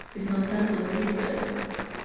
við sínum teldum og tilhoyri